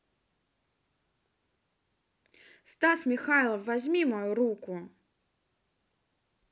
стас михайлов возьми мою руку